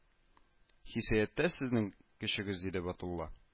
Хиссияттә сезнең көчегез, диде Батулла